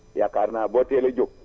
yaakaar naa boo teelee jóg